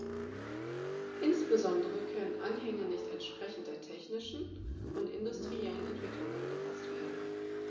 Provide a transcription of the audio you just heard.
Insbesondere können Anhänge nicht entsprechend der technischen und industriellen Entwicklung angepaßt werden.